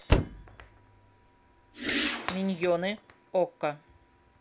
миньоны окко